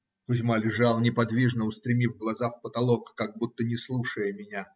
Кузьма лежал, неподвижно устремив глаза в потолок, как будто не слушая меня.